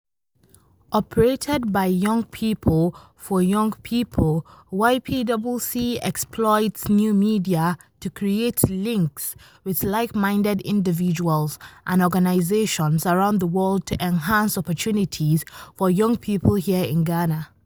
Operated by young people, for young people, YPWC exploits new media to create links with like-minded individuals and organisations around the world to enhance opportunities for young people here in Ghana.